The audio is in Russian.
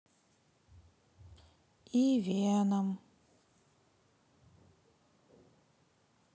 и веном